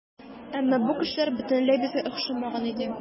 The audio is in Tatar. Әмма бу кешеләр бөтенләй безгә охшамаган иде.